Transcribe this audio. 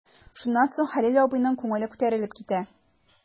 Шуннан соң Хәлил абыйның күңеле күтәрелеп китә.